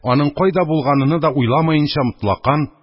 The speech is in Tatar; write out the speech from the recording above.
Аның кайда булганыны да уйламаенча, мотлакан